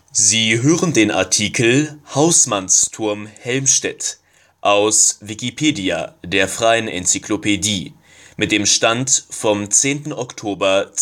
Sie hören den Artikel Hausmannsturm (Helmstedt), aus Wikipedia, der freien Enzyklopädie. Mit dem Stand vom Der